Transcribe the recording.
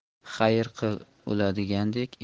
xayr qil o'ladigandek